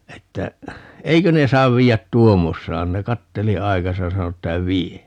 että eikö ne saa viedä tuommoisenaan ne katseli aikansa ja sanoi että vie